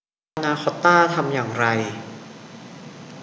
พานาคอตต้าทำอย่างไร